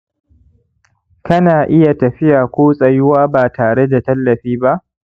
kana iya tafiya ko tsayuwa ba tareda tallafi ba